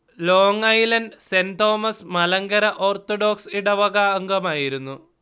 long Island Saint Thomas Malankara Orthodox ഇടവക അംഗമായിരുന്നു